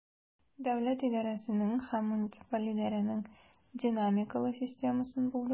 Дәүләт идарәсенең һәм муниципаль идарәнең динамикалы системасын булдыру.